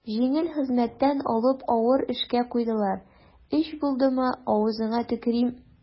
Җиңел хезмәттән алып авыр эшкә куйдылар, өч булдымы, авызыңа төкерим.